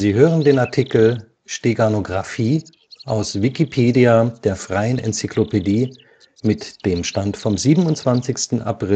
hören den Artikel Steganographie, aus Wikipedia, der freien Enzyklopädie. Mit dem Stand vom Der